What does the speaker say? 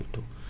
ok